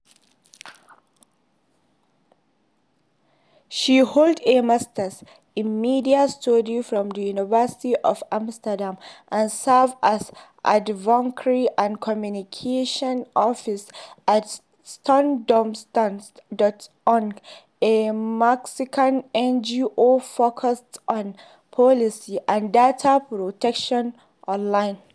She holds a Masters in Media Studies from the University of Amsterdam and serves as the Advocacy and Communications Officer at SonTusDatos.org, a Mexican NGO focused on privacy and data protection online.